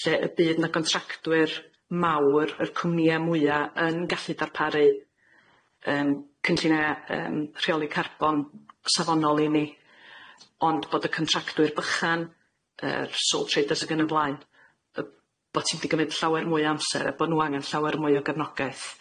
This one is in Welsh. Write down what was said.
Lle y bydd na gontractwyr mawr yr cwmnïe mwya yn gallu darparu yym cynllunia yym rheoli carbon safonol i ni ond bod y contractwyr bychan yr sole traders ag yn y blaen yy bo' ti'm di gymyd llawer mwy o amser a bo' nw angan llawer mwy o gefnogaeth.